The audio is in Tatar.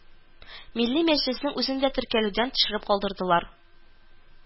Милли Мәҗлеснең үзен дә теркәлүдән төшереп калдырдылар